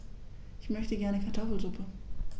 Ich möchte gerne Kartoffelsuppe.